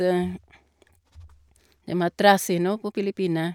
Dem har trasig nå på Filippinene.